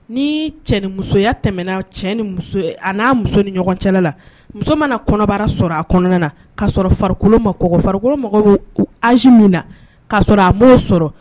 Ni cɛmusoya tɛmɛna cɛ ni muso a n'a muso ni ɲɔgɔn cɛla la muso mana kɔnɔbara sɔrɔ a kɔnɔna na ka sɔrɔ farikolo ma kɔgɔ farikolo mago bɛ o âge ka sɔrɔ a m'o sɔrɔ